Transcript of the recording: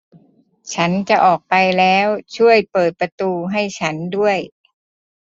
ฉันจะออกไปแล้วช่วยเปิดประตูให้ฉันด้วย